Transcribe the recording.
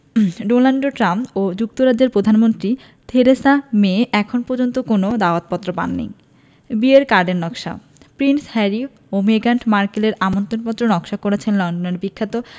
Donald Trump ও যুক্তরাজ্যের প্রধানমন্ত্রী থেরেসা মে এখন পর্যন্ত কোনো দাওয়াতপত্র পাননি বিয়ের কার্ডের নকশা প্রিন্স হ্যারি ও মেগান মার্কেলের আমন্ত্রণপত্র নকশা করছে লন্ডনের বিখ্যাত